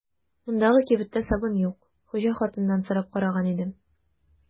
Мондагы кибеттә сабын юк, хуҗа хатыннан сорап караган идем.